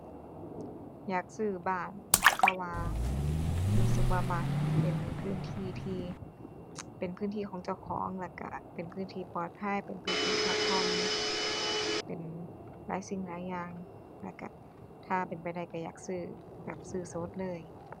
อยากซื้อบ้านเพราะว่า รู้สึกว่าบ้านเป็นพื้นที่ที่ เป็นพื้นที่ของเจ้าของละก็เป็นพื้นที่ปลอดภัย เป็นพื้นที่พักผ่อน เป็นหลายสิ่งหลายอย่าง ละก็ ถ้าเป็นไปได้ก็อยากซื้อ อยากซื้อสดเลย